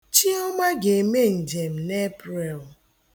Chịọma ga-eme njem n'Epreel.